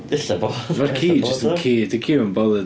Ella bod o... Ma'r ci jyst yn ci, 'di'r ci ddim yn bothered.